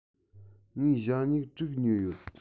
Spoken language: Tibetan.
ངས ཞྭ སྨྱུག དྲུག ཉོས ཡོད